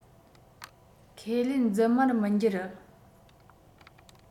ཁས ལེན རྫུན མར མི འགྱུར